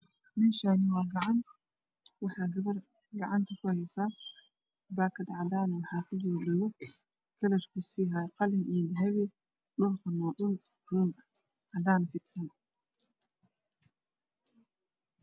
Waa gabar gacanta ku hayso baakad cadaan ah waxaa kujiro dhago kalarkiisuna waa qalin iyo dahabi. Dhulkuna waxaa kufidsan roog cadaan ah.